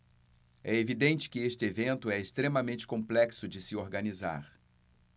é evidente que este evento é extremamente complexo de se organizar